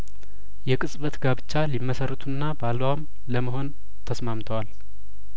የቅጽበት ጋብቻ ሊመሰርቱና ባሏም ለመሆን ተስማምተዋል